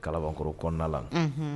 Kalakɔrɔ kɔnɔnadala